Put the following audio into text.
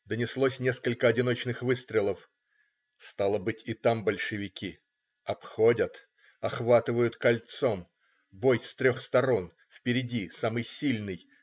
Донеслось несколько одиночных выстрелов. Стало быть, и там большевики. Обходят. Охватывают кольцом. Бой с трех сторон. Впереди самый сильный.